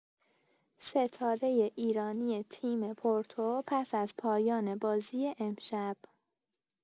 ستاره‌ایرانی تیم پورتو پس‌از پایان بازی امشب.